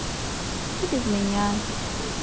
ты без меня